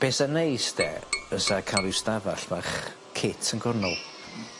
Be' sa neis 'de fysa ca'l ryw stafall fach cit yn cornol.